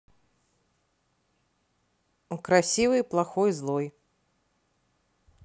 красивый плохой злой